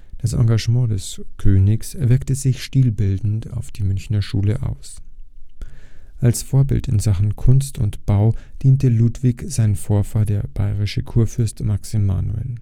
Das Engagement des Königs wirkte sich stilbildend auf die Münchner Schule aus. Als Vorbild in Sachen Kunst und Bau diente Ludwigs Vorfahr, der bayerische Kurfürst Max Emanuel